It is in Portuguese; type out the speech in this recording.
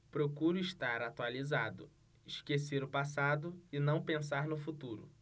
procuro estar atualizado esquecer o passado e não pensar no futuro